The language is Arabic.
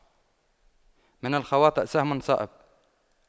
من الخواطئ سهم صائب